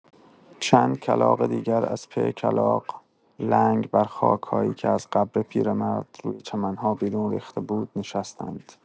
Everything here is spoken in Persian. چند کلاغ دیگر از پی کلاغ لنگ بر خاک‌هایی که از قبر پیرمرد روی چمن‌ها بیرون ریخته بود، نشستند.